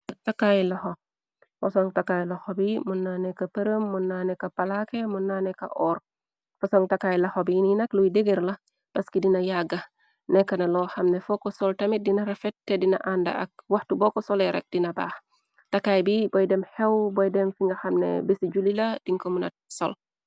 Takkay loxo bi munnane ka përëm munnaane ka palake munnaaneka oor posong. Takaay laxobi ni nak luy degër la paski dina yagga nekk na loo xamne foko sol tamit dina refet. Te dina ànda ak waxtu boko sole rek dina baax. Takaay bi boy dem xew boy dem fi nga xamne bici juli la dinko mu nat sol.